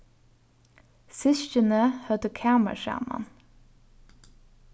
systkini høvdu kamar saman